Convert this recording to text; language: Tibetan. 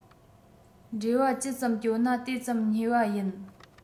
འབྲེལ བ ཇི ཙམ བསྐྱོད ན དེ ཙམ ཉེ བ ཡིན